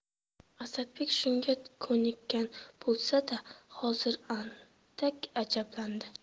asadbek shunga ko'nikkan bo'lsa da hozir andak ajablandi